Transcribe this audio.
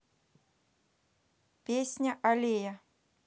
песня аллея